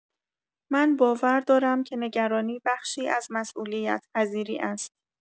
من باور دارم که نگرانی بخشی از مسئولیت‌پذیری است.